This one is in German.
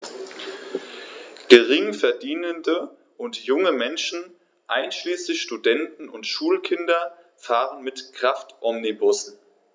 Geringverdienende und junge Menschen, einschließlich Studenten und Schulkinder, fahren mit Kraftomnibussen.